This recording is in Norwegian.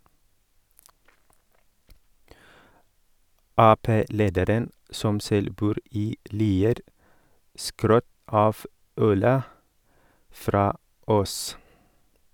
Ap-lederen, som selv bor i Lier, skrøt av ølet fra Aass.